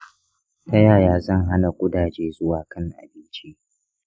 ta yaya zan hana ƙudaje zuwa kan abinci?